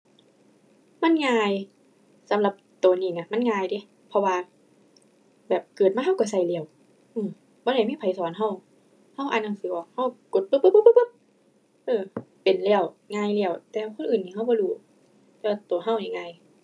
มันง่าย สำหรับตัวนี้น่ะ มันง่ายเดะ เพราะว่าแบบเกิดมาตัวตัวตัวแล้ว อือ บ่ได้มีไผสอนตัว ตัวอ่านหนังสือออก ตัวกด ปึ๊บ ปึ๊บ ปึ๊บ ปึ๊บ ปึ๊บ เออ เป็นแล้ว ง่ายแล้ว แต่คนอื่นนี่ตัวบ่รู้แต่ว่าตัวตัวนี้ง่าย